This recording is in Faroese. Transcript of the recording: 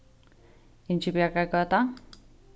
ingibjargargøta